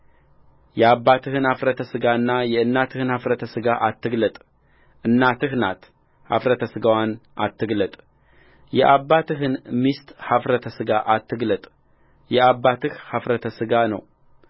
የአባትህን ኃፍረተ ሥጋና የእናትህን ኃፍረተ ሥጋ አትግለጥ እናትህ ናት ኃፍረተ ሥጋዋን አትግለጥየአባትህን ሚስት ኃፍረተ ሥጋ አትግለጥ የአባትህን ኃፍረተ ሥጋ ነው